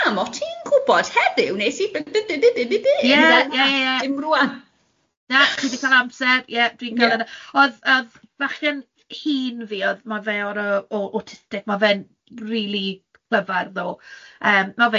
Mam, o't ti'n gwbod heddiw wnes i Ie! Ie, ie ie. Dim rŵan! Na, ti 'di cael amser, ie. Dwi'n-. O'dd, o'dd bachgen hŷn fi, yy ma' fe o'r yy austistic ma' fe'n rili clyfar ddo.